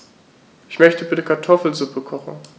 Ich möchte bitte Kartoffelsuppe kochen.